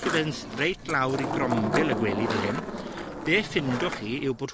chi fynd reit lawr i grombil y gwely fel hyn, be' ffindwch chi yw bod